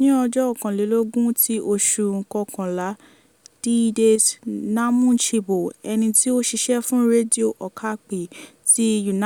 Ní ọjọ́ 21 ti oṣù Kọkànlá Didace Namujimbo, ẹni tí ó ṣiṣẹ́ fún Radio Okapi tí UN